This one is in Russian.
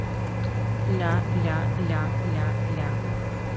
ля ля ля ля ля